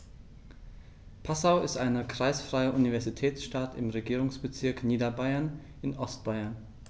Passau ist eine kreisfreie Universitätsstadt im Regierungsbezirk Niederbayern in Ostbayern.